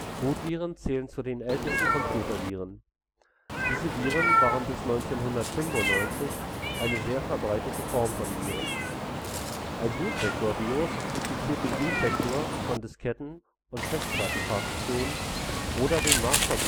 Bootviren zählen zu den ältesten Computerviren. Diese Viren waren bis 1995 eine sehr verbreitete Form von Viren. Ein Bootsektorvirus infiziert den Bootsektor von Disketten und Festplattenpartitionen oder den Master